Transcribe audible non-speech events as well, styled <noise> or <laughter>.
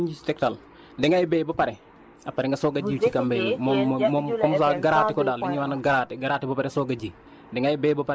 waaw am na lum ñu ci tegtal dangay béy ba pare après nga soog a <noise> jiw ci kàmb yi moom moom comme ça grater ko daal li ñuy wax noonu grater grater ba pare soog a ji